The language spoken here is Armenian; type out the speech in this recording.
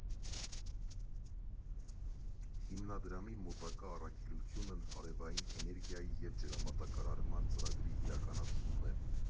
Հիմնադրամի մոտակա առաքելությունն արևային էներգիային և ջրամատակարարման ծրագրի իրականացումն է։